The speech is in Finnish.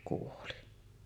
kuoli